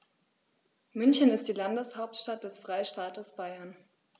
München ist die Landeshauptstadt des Freistaates Bayern.